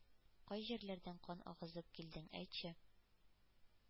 Кай җирләрдән кан агызып килдең, әйтче,